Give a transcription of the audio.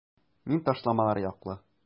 Мин ташламалар яклы.